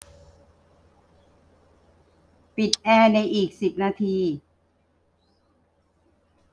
ปิดแอร์ในอีกสิบนาที